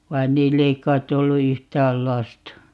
vaan niillä ei kai ollut yhtään lasta